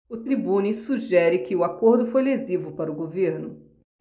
o tribune sugere que o acordo foi lesivo para o governo